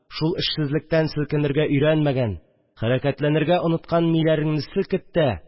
Шул эшсезлектән селкенергә өйрәнмәгән, хәрәкәтләнергә оныткан миләреңне селкет тә